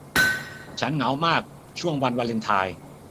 ฉันเหงามากช่วงวันวาเลนไทน์